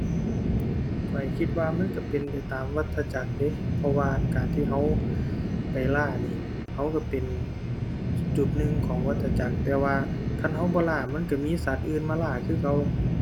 ข้อยคิดว่ามันก็เป็นไปตามวัฏจักรเดะ เพราะว่าการที่ก็ ไปล่านี่ ก็ก็เป็นจุดหนึ่งของวัฏจักร แต่ว่าคันก็บ่ล่ามันก็มีสัตว์อื่นมาล่าคือเก่า